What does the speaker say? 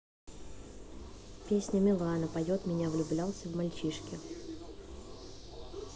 песня милана поет меня влюблялся в мальчишки